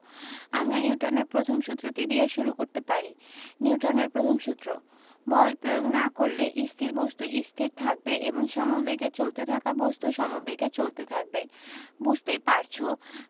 আমরা নিউটনের প্রথম সূত্রটি দিয়ে শুরু করতে পারি নিউটনের প্রথম সূত্র বল প্রয়োগ না করলে স্থির বস্তু স্থির থাকবে এবং সমেবেগে চলতে থাকা বস্তু সমেবেগে চলতে থাকবে বুঝতেই পারছ